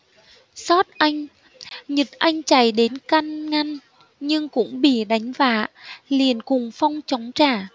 xót anh nhựt anh chạy đến can ngăn nhưng cũng bị đánh vạ liền cùng phong chống trả